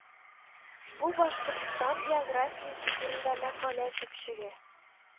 Бу Башкортстан географиясе турында мәкалә төпчеге